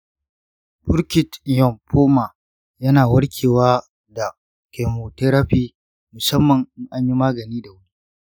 burkitt lymphoma yana warkewa da chemotherapy, musamman in anyi magani da wuri.